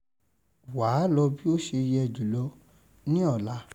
Wàá lọ̀ bí ó ṣe yẹ jùlọ́ ní ọ̀la.